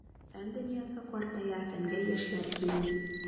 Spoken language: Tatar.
Фән дөньясы картая, фәнгә яшьләр килми.